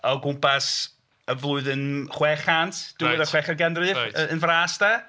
O gwmpas y flwyddyn chwe chant... reit. ...diwedd y chweched ganrif... reit. ...yn fras de.